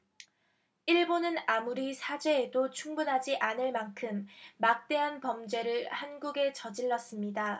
일본은 아무리 사죄해도 충분하지 않을 만큼 막대한 범죄를 한국에 저질렀습니다